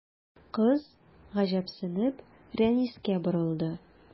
Кыз, гаҗәпсенеп, Рәнискә борылды.